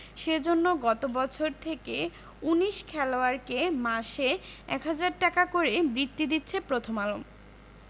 সে জন্য গত বছর থেকে ১৯ খেলোয়াড়কে মাসে ১ হাজার টাকা করে বৃত্তি দিচ্ছে প্রথম আলো